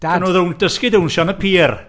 Dad! Gawn nhw ddown- dysgu dawnsio yn y pier.